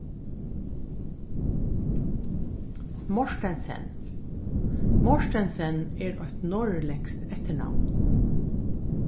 mortensen mortensen er eitt norðurlendskt eftirnavn